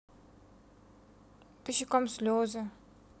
по щекам слезы